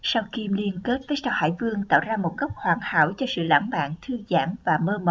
sao kim liên kết với sao hải vương tạo ra một góc hoàn hảo cho sự lãng mạn thư giãn và mơ mộng